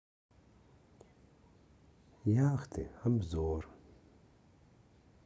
яхты обзор